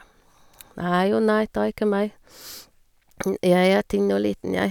Nei og nei, ta ikke meg, jeg er tynn og liten, jeg.